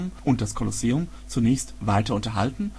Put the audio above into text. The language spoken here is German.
und das Kolosseum zunächst weiter unterhalten